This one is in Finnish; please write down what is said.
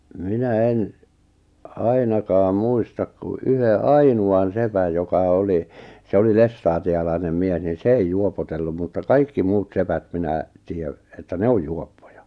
minä en ainakaan muista kuin yhden ainoan sepän joka oli se oli lestadiolainen mies niin se ei juopotellut mutta kaikki muut sepät minä tiedän että ne on juoppoja